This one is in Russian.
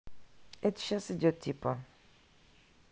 это сейчас идет типа